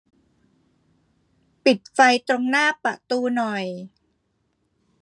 ปิดไฟตรงหน้าประตูหน่อย